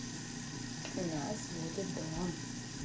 у нас будет дом